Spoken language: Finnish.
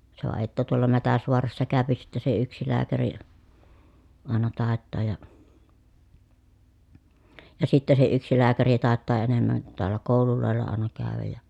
se vain että tuolla Mätäsvaarassa käy sitten se yksi lääkäri - aina taitaa ja ja sitten se yksi lääkäri taitaa enemmänkin taalla kouluilla aina käydä ja